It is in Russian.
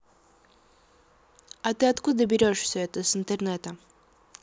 а ты откуда берешь все это с интернета